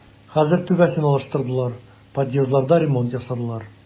Хәзер түбәсен алыштырдылар, подъездларда ремонт ясадылар.